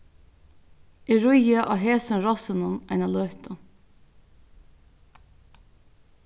eg ríði á hesum rossinum eina løtu